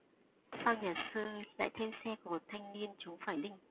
sau nhà sư lại thêm xe của một thanh niên trúng phải đinh